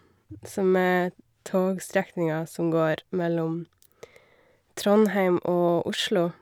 Som er togstrekninga som går mellom Trondheim og Oslo.